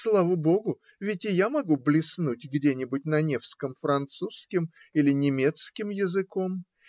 Слава богу, ведь и я могу блеснуть где-нибудь на Невском французским или немецким языком!